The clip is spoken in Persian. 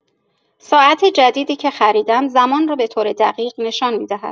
ساعت جدیدی که خریدم، زمان را به‌طور دقیق نشان می‌دهد.